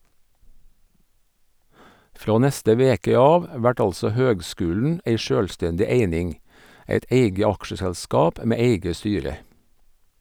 Frå neste veke av vert altså høgskulen ei sjølvstendig eining, eit eige aksjeselskap med eige styre.